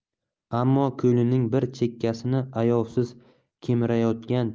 ammo ko'nglining bir chekkasini ayovsiz kemirayotgan